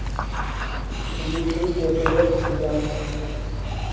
в ютубе глеб пьяных